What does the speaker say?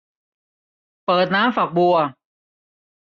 เปิดน้ำฝักบัว